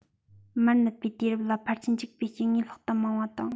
མར ནུབ པའི དུས རབས ལ ཕལ ཆེར འཇིག པའི སྐྱེ དངོས ལྷག ཏུ མང བ དང